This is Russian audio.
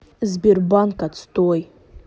сбербанк отстой